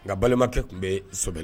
Nka balimakɛ tun bɛ sɔbɛ